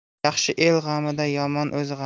yaxshi el g'amida yomon o'z g'amida